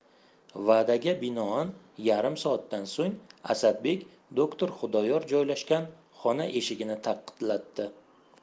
va'daga binoan yarim soatdan so'ng asadbek doktor xudoyor joylashgan xona eshigini taqillatdi